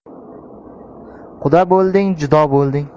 quda bo'lding judo bo'lding